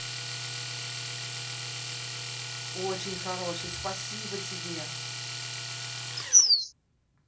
очень хорошие спасибо тебе